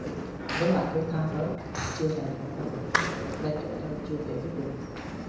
với lại cái thai mới chưa đầy ba tháng nên chúng tôi chưa thể biết được